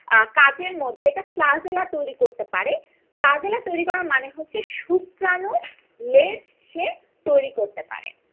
কাজের মধ্যে এটা ফ্লাজেলা তৈরি করতে পারে ফ্লাজেলা তৈরি করার মানে হচ্ছে শুক্রাণুর লেজ সে তৈরি করতে পারে